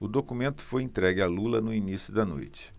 o documento foi entregue a lula no início da noite